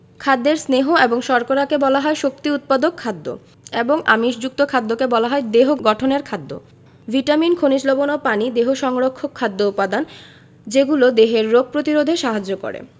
খাদ্যের স্নেহ এবং শর্করাকে বলা হয় শক্তি উৎপাদক খাদ্য এবং আমিষযুক্ত খাদ্যকে বলা হয় দেহ গঠনের খাদ্য ভিটামিন খনিজ লবন ও পানি দেহ সংরক্ষক খাদ্য উপাদান যেগুলো দেহের রোগ প্রতিরোধে সাহায্য করে